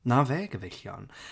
'na fe gyfeillion.